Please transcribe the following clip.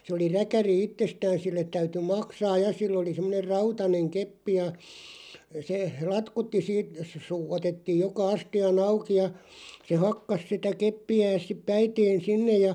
se oli räkäri itsestään sille täytyi maksaa ja sillä oli semmoinen rautainen keppi ja se latkutti siitä - otettiin joka astian auki ja se hakkasi sitä keppiään sitten päiteen sinne ja